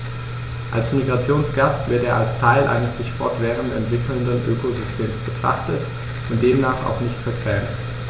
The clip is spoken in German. Als Migrationsgast wird er als Teil eines sich fortwährend entwickelnden Ökosystems betrachtet und demnach auch nicht vergrämt.